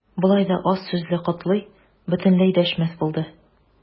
Болай да аз сүзле Котлый бөтенләй дәшмәс булды.